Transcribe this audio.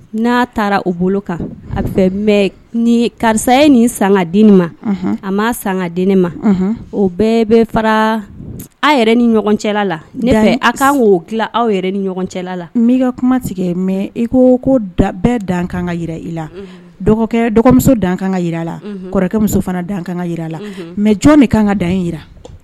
N'a taara u bolo kan a mɛ ni karisa ye nin sanga den ma a ma sanga den ne ma o bɛɛ bɛ fara aw yɛrɛ ni ɲɔgɔn cɛ la ka'o dilan aw yɛrɛ ni ɲɔgɔn cɛ la n'i ka kuma tigɛ mɛ i ko ko bɛɛ dan ka kan ka jira i la dɔgɔ dɔgɔmuso dan kan ka jira a la kɔrɔkɛmuso fana dan kan ka yi a la mɛ jɔn min ka kan ka da jira